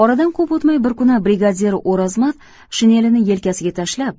oradan ko'p o'tmay bir kuni brigadir o'rozmat shinelini yelkasiga tashlab